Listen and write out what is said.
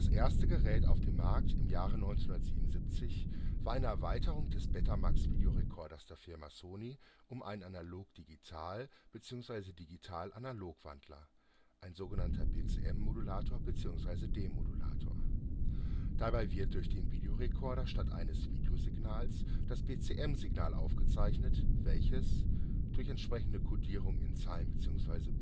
erste Gerät auf dem Markt im Jahr 1977 war eine Erweiterung des Betamax-Videorekorders der Firma Sony um einem Analog-Digital - bzw. Digital-Analog-Wandler (PCM-Modulator bzw. - Demodulator). Dabei wird durch den Videorekorder statt eines Video-Signals das PCM-Signal aufgezeichnet, welches – durch entsprechende Kodierung in „ Zeilen “bzw.